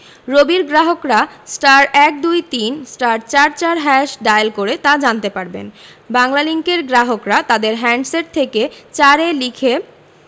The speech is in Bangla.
রবির গ্রাহকরা *১২৩*৪৪# ডায়াল করে তা জানতে পারবেন বাংলালিংকের গ্রাহকরা তাদের হ্যান্ডসেট থেকে ৪ এ লিখে